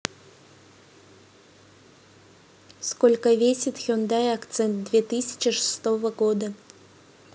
сколько весит хендай акцент две тысячи шестого года